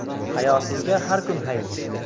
hayosizga har kun hayit